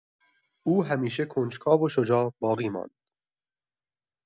او همیشه کنجکاو و شجاع باقی ماند.